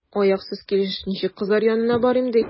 Аяксыз килеш ничек кызлар янына барыйм, ди?